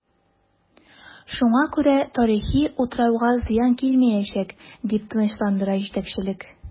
Шуңа күрә тарихи утрауга зыян килмиячәк, дип тынычландыра җитәкчелек.